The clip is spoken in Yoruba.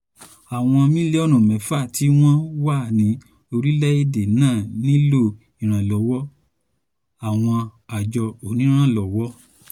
Àwọn mílíọ́nù 6 tí wọ́n wà ní orílẹ̀-èdè náà nílò ìrànlọ́wọ́ àwọn àjọ onírànlọ́wọ́.